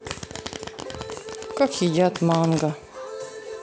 как едят манго